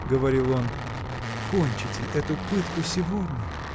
– говорил он, – кончите эту пытку сегодня